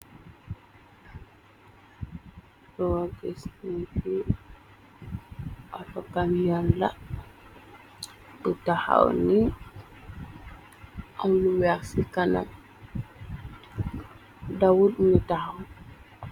roagesne ci atakam yàlla bu taxaw ni am lu weex ci kanam dawud ñu taxaw